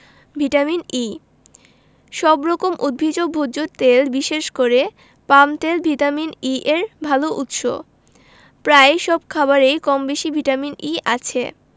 vitamin E সব রকম উদ্ভিজ্জ ভোজ্য তেল বিশেষ করে পাম তেল ভিটামিন ই এর ভালো উৎস প্রায় সব খাবারেই কমবেশি ভিটামিন ই আছে